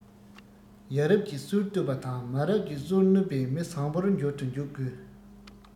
ཡ རབས ཀྱི སྲོལ བཏོད པ དང མ རབས ཀྱི སྲོལ བསྣུབས པའི མི བཟང བོར འགྱུར དུ འཇུག དགོས